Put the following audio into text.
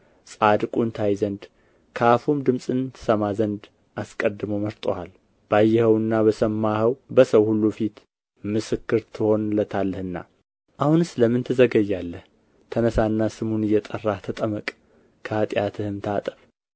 ጻድቁን ታይ ዘንድ ከአፉም ድምፅን ትሰማ ዘንድ አስቀድሞ መርጦሃል ባየኸውና በሰማኸው በሰው ሁሉ ፊት ምስክር ትሆንለታለህና አሁንስ ለምን ትዘገያለህ ተነሣና ስሙን እየጠራህ ተጠመቅ ከኃጢአትህም ታጠብ